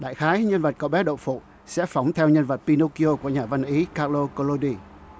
đại khái nhân vật cậu bé đậu phụ sẽ phỏng theo nhân vật bi đo ki ô của nhà văn ý ca lô cô lô đi